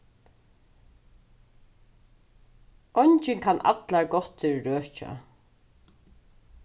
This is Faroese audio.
eingin kann allar gáttir røkja